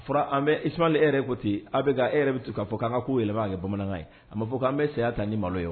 Fɔra ansli yɛrɛ ko ten a bɛ e yɛrɛ bɛ to k'a k'an ka k'u yɛlɛma b'a kɛ bamanankan ye a bɛ fɔ k'an bɛ saya ta ni malo ye